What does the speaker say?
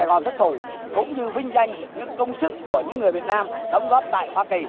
gòn thất thủ cũng như vinh danh những công sức của những người việt nam đóng góp tại hoa kỳ